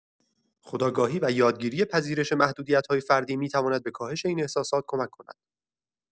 خودآگاهی و یادگیری پذیرش محدودیت‌های فردی می‌تواند به کاهش این احساسات کمک کند.